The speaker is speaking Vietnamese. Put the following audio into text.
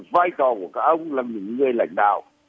vai trò của các ông là những người lãnh đạo